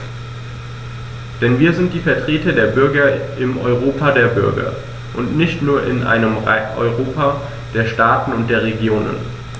Denn wir sind die Vertreter der Bürger im Europa der Bürger und nicht nur in einem Europa der Staaten und der Regionen.